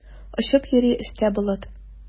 Очып йөри өстә болыт.